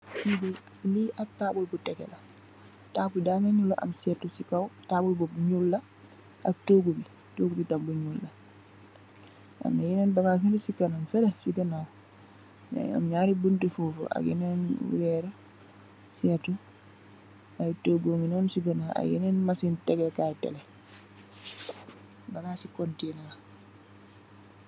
Li app tabul bu tegeh la tabul bi da melni lu am Seth sey kaw tabul bu nyuul la ak togu bi togu bi tamit bu nyuul la amna yenen bagas yeleh sey ganaw feleh sey ganaw Yangi am yenen buntu fofu ak yenen werr setu i togu ngi nonu sey ganaw ak yenen machine tegeh kai dehgeh bagas sey container.